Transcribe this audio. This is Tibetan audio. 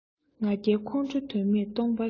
ང རྒྱལ ཁོང ཁྲོ དོན མེད སྟོང པ རེད